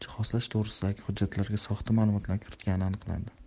jihozlash to'g'risidagi hujjatlarga soxta ma'lumotlar kiritgani aniqlandi